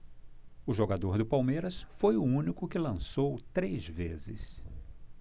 o jogador do palmeiras foi o único que lançou três vezes